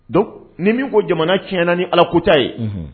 Don ni min ko jamana tiɲɛna ni ala kota ye